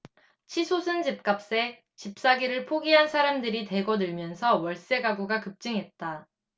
치솟은 집값에 집사기를 포기한 사람들이 대거 늘면서 월세 가구가 급증했다